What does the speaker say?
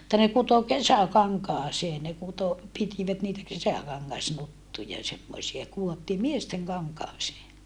mutta ne kutoi kesäkankaaseen ne kutoi pitivät niitä kesäkangasnuttuja semmoisia kudottiin miesten kankaaseen